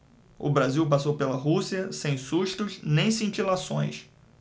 o brasil passou pela rússia sem sustos nem cintilações